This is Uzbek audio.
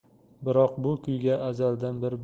biroq bu kuyga azaldan bir